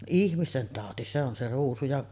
ihmisten tauti se on se ruusu ja